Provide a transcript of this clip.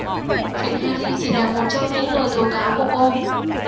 chuyện harry chỉ là một trong những lời tố cáo của cô